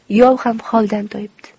yov ham holdan toyibdi